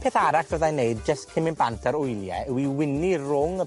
peth arall fyddai'n neud jys cyn myn' bant ar wylie yw i 'wyni rwng y